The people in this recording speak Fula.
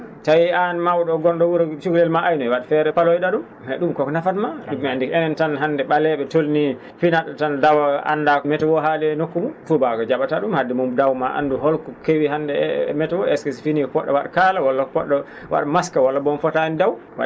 tawii aan maw?o ngon?o wuro cukalel maa aynoya wa? feere paloyo?aa ?um ?um koko nafatmaa enen tan hannde ?alee?e tolnii finat ?o tan dawa anndaa ko météo haali e nokku mum tuubaako nde ja?ataa ?um haade mum dawa maa anndu holko kewi hannde e météo est ce que so finii ko po??o wa? kaala walla ko po??o wa? masque walla bom fotaani daw